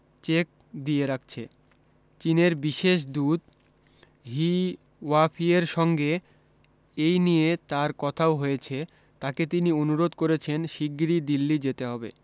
check দিয়ে রাখছে চীনের বিশেষ দূত হি ইয়াফইয়ের সঙ্গে এই নিয়ে তার কথাও হয়েছে তাঁকে তিনি অনুরোধ করেছেন শিগগিরই দিল্লী যেতে হবে